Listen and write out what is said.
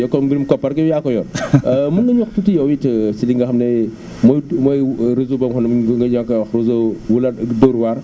yow kon mbirum koppar gi yow yaa ko yor mën nga ñu wax tuuti yow it si li nga xam ne mooy mooy réseau boo nga xam ne nit ñaa ngi koy wax réseau Wula Dóor waar